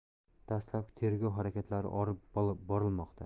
dastlabki tergov harakatlari olib borilmoqda